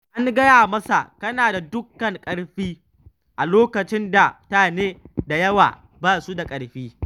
An gaya masa, “kana da dukkan ƙarfi a loƙacin da mata da yawa ba su da ƙarfi.””